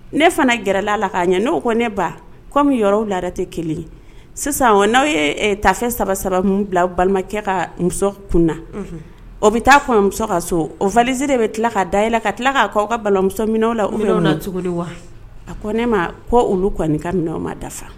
Ne fana gɛrɛla la k'a ɲɛ' ko ne ba komi yɔrɔw laada tɛ kelen ye sisan n'aw ye taafe saba saba min bila balimakɛ ka muso kun o bɛ taa fɔ muso ka so o valiz de bɛ tila ka day la ka tila ka kɛ aw ka balimamuso minɛ la cogo a ko ne ma kɔ olu ka minɛ aw ma dafa